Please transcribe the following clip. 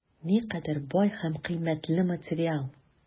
Никадәр бай һәм кыйммәтле материал!